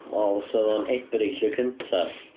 Wel, os 'sa fo'n Ebrill y cyntaf.